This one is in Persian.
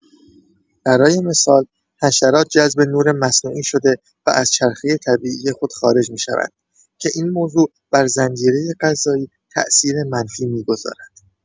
برای مثال، حشرات جذب نور مصنوعی شده و از چرخه طبیعی خود خارج می‌شوند که این موضوع بر زنجیره غذایی تاثیر منفی می‌گذارد.